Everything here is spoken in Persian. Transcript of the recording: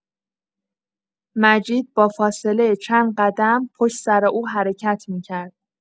مجید با فاصله چند قدم پشت‌سر او حرکت می‌کرد.